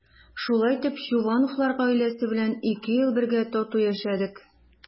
Шулай итеп Чувановлар гаиләсе белән ике ел бергә тату яшәдек.